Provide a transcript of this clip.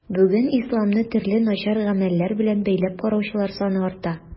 Бүген исламны төрле начар гамәлләр белән бәйләп караучылар саны арта.